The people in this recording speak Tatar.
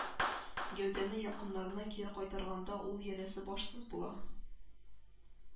Гәүдәне якыннарына кире кайтарганда ул, янәсе, башсыз була